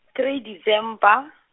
three December.